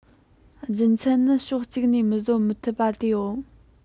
རྒྱུ མཚན ནི ཕྱོགས གཅིག ནས མི བཟོད མི ཐུབ པ དེའོ